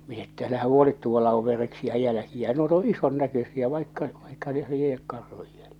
minä että älähän huoli tuolla on vereksiä jälkiä nuo on ison näköisiä vaikka vaikka ne lie karhun jälkiä